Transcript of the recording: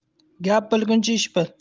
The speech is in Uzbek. gap bilguncha ish bil